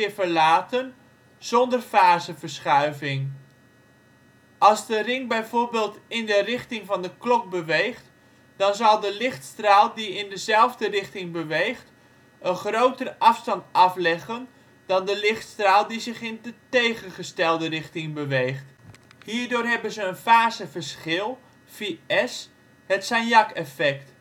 verlaten zonder faseverschuiving. Als de ring bijvoorbeeld in de richting van de klok beweegt, dan zal de lichtstraal die in dezelfde richting beweegt een grotere afstand afleggen dan de lichtstraal die zich in de tegengestelde richting beweegt. Hierdoor hebben ze een faseverschil φs, het Sagnac-effect